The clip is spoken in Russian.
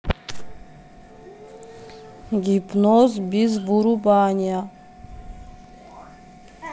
гипноз без вырубания